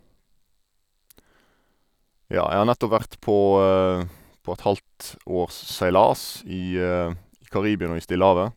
Ja, jeg har nettopp vært på på et halvt års seilas i i Karibien og i Stillehavet.